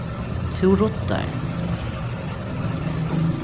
tú ruddar